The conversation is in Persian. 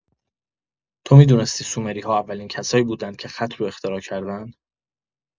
تو می‌دونسی سومری‌ها اولین کسایی بودن که خط رو اختراع کردن؟